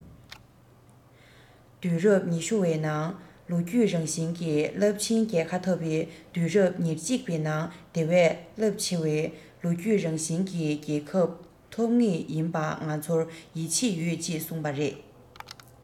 དུས རབས ཉི ཤུ བའི ནང ལོ རྒྱུས རང བཞིན གྱི རླབས ཆེན རྒྱལ ཁ ཐོབ པའི དུས རབས ཉེར གཅིག པའི ནང དེ བས རླབས ཆེ བའི ལོ རྒྱུས རང བཞིན གྱི རྒྱལ ཁབ ཐོབ ངེས ཡིན པ ང ཚོར ཡིད ཆེས ཡོད ཅེས གསུངས པ རེད